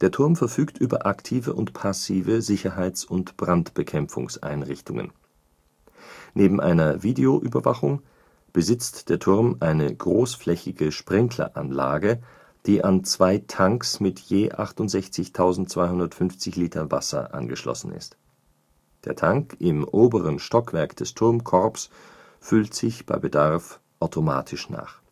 Turm verfügt über aktive und passive Sicherheits - und Brandbekämpfungseinrichtungen. Neben einer Videoüberwachung besitzt der Turm eine großflächige Sprinkleranlage, die an zwei Tanks mit je 68.250 Liter Wasser angeschlossen ist. Der Tank im oberen Stockwerk des Turmkorbs füllt sich bei Bedarf automatisch nach